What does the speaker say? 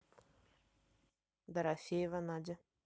дорофеева надя